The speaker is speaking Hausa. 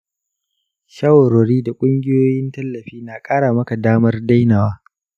shawarwari da ƙungiyoyin tallafi na ƙara maka damar dainawa.